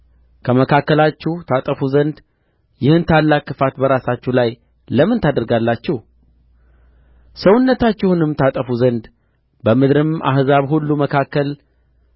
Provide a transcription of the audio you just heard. ከመካከላችሁ ታጠፉ ዘንድ ይህን ታላቅ ክፋት በራሳችሁ ላይ ለምን ታደርጋላችሁ ሰውነታችሁንም ታጠፉ ዘንድ በምድርም አሕዛብ ሁሉ መካከል